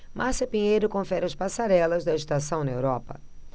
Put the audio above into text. márcia pinheiro confere as passarelas da estação na europa